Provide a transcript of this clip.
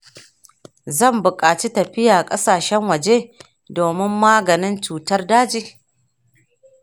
zan bukaci tafiya ƙasashen waje domin maganin cutar daji?